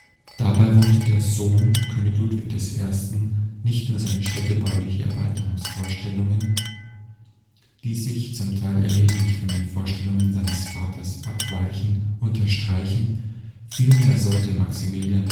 Dabei wollte der Sohn König Ludwigs I. nicht nur seine städtebauliche Erweiterungsvorstellungen, die sich zum Teil erheblich von den Vorstellungen seines Vaters abweichen, unterstreichen; vielmehr sollte Maximilian